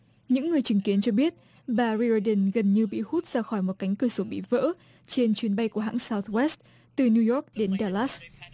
những người chứng kiến cho biết bà ri ô đừn gần như bị hút ra khỏi một cánh cửa sổ bị vỡ trên chuyến bay của hãng sao sờ goét từ niu doóc đến đa lát